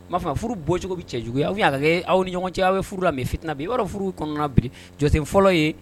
M'a furu bɔcogo bɛ cɛ ye aw' aw ni ɲɔgɔn cɛ aw bɛ furu fi tɛna bi i'a furu kɔnɔna bi jɔ fɔlɔ ye